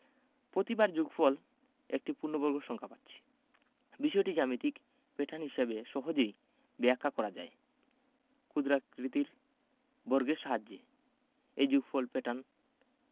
প্রতিবার যোগফল একটি পূর্ণবর্গ সংখ্যা পাচ্ছি বিষয়টি জ্যামিতিক প্যাটার্ন হিসেবে সহজেই ব্যাখ্যা করা যায় ক্ষুদ্রাকৃতির বর্গের সাহায্যে এই যোগফল প্যাটার্ন